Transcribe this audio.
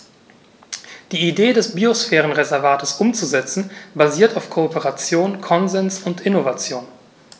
Die Idee des Biosphärenreservates umzusetzen, basiert auf Kooperation, Konsens und Innovation.